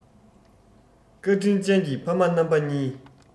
བཀའ དྲིན ཅན གྱི ཕ མ རྣམ པ གཉིས